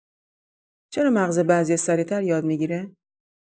چرا مغز بعضیا سریع‌تر یاد می‌گیره؟